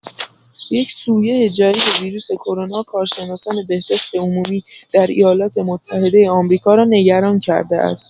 یک‌سویه جدید ویروس کرونا کارشناسان بهداشت عمومی در ایالات‌متحده آمریکا را نگران کرده است.